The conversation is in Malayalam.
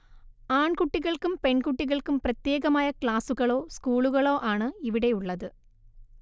ആൺകുട്ടികൾക്കും പെൺകുട്ടികൾക്കും പ്രത്യേകമായ ക്ലാസുകളോ സ്കൂളുകളോ ആണ് ഇവിടെയുള്ളത്